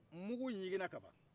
mungu ɲiginna ka ban